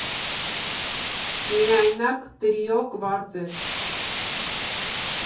Միայնակ, տրիո, կվարտետ։